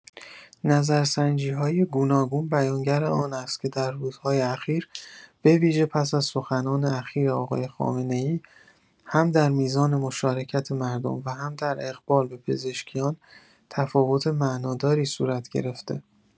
نظرسنجی‌های گوناگون بیانگر آنست که در روزهای اخیر، به‌ویژه پس از سخنان اخیر آقای خامنه‌ای، هم در میزان مشارکت مردم و هم در اقبال به پزشکیان تفاوت معناداری صورت گرفته